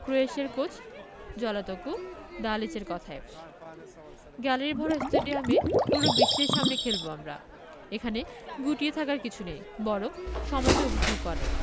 ক্রোয়েশিয়ার coach Zlatko দালিচের কথায় গ্যালারিভরা স্টেডিয়ামে পুরো বিশ্বের সামনে খেলব আমরা এখানে গুটিয়ে থাকার কিছু নেই বরং সময়টা উপভোগ করার